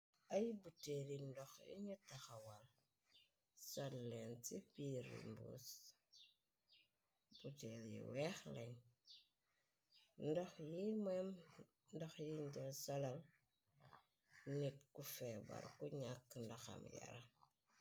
Ay buteel yi ndox yiñu taxawal salleen ci ci birr mboss buteel yi weex lañ ndox ymam ndox yi njel salal nik ku feebar ku ñakk ndaxam yara.